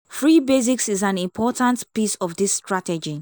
Free Basics is an important piece of this strategy.